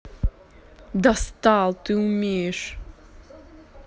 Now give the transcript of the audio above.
достал ты умеешь